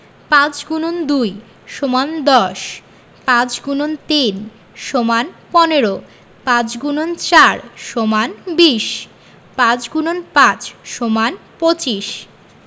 ৫× ২ = ১০ ৫× ৩ = ১৫ ৫× ৪ = ২০ ৫× ৫ = ২৫